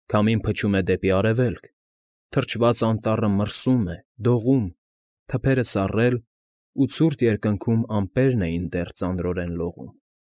Քամին փչում է դեպի արևելք, Թրջված անտառը մրսում է, դողում, Թփերը սառել, ու ցուրտ երկնքում Ամպերն էին դեռ ծանրորեն լողում։